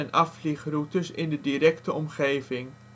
afvliegroutes in de directe omgeving